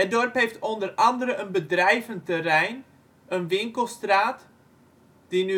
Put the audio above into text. dorp heeft onder andere een bedrijventerrein, een winkelstraat (die